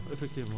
effectivement